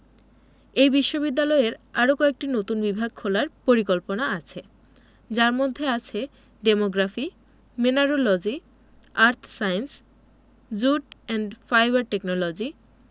এই বিশ্ববিদ্যালয়ের আরও কয়েকটি নতুন বিভাগ খোলার পরিকল্পনা আছে যার মধ্যে আছে demography mineralogy earth science jute and fibre technology